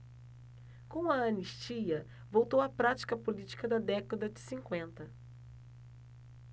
com a anistia voltou a prática política da década de cinquenta